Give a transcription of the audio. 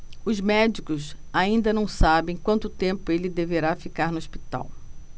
os médicos ainda não sabem quanto tempo ele deverá ficar no hospital